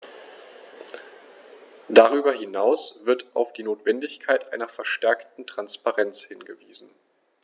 Darüber hinaus wird auf die Notwendigkeit einer verstärkten Transparenz hingewiesen.